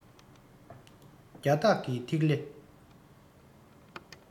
རྒྱ སྟག གི ཐིག ལེ